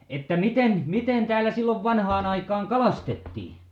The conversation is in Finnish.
että miten miten täällä silloin vanhaan aikaan kalastettiin